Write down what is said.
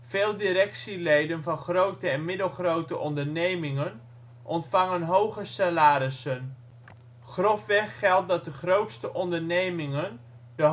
Veel directieleden van grote en middelgrote ondernemingen ontvangen hoge salarissen. Grofweg geldt dat de grootste ondernemingen de